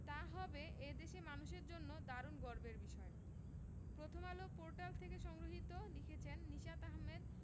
তা হবে এ দেশের মানুষের জন্য দারুণ গর্বের বিষয় প্রথমআলো পোর্টাল থেকে সংগৃহীত লিখেছেন নিশাত আহমেদ